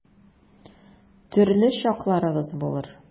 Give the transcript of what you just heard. Төрле чакларыгыз булыр.